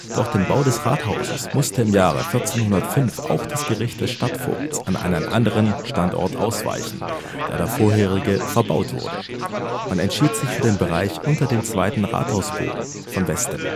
Durch den Bau des Rathauses musste im Jahre 1405 auch das Gericht des Stadtvogts an einen anderen Standort ausweichen, da der vorherige verbaut wurde. Man entschied sich für den Bereich unter dem zweiten Rathausbogen (von Westen